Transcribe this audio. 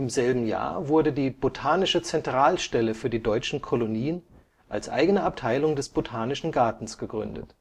selben Jahr wurde die Botanische Zentralstelle für die deutschen Kolonien als eigene Abteilung des Botanischen Gartens gegründet